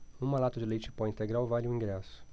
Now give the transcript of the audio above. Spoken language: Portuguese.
uma lata de leite em pó integral vale um ingresso